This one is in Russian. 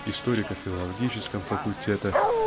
историко-филологическом факультетах